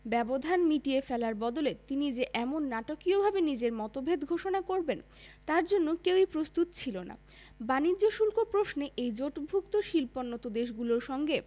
ব্যবধান মিটিয়ে ফেলার বদলে তিনি যে এমন নাটকীয়ভাবে নিজের মতভেদ ঘোষণা করবেন তার জন্য কেউই প্রস্তুত ছিল না বাণিজ্য শুল্ক প্রশ্নে এই জোটভুক্ত শিল্পোন্নত দেশগুলোর সঙ্গে